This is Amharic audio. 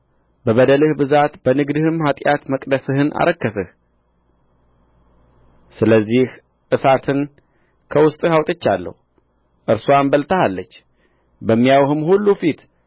በበደልህ ብዛት በንግድህም ኃጢአት መቅደስህን አረከስህ ስለዚህ እሳትን ከውስጥህ አውጥቻለሁ እርስዋም በልታሃለች በሚያዩህም ሁሉ ፊት